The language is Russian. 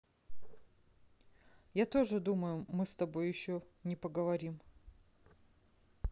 я тоже думаю мы с тобой еще не поговорим